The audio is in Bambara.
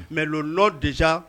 Mɛl nɔo desa